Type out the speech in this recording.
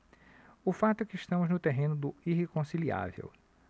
o fato é que estamos no terreno do irreconciliável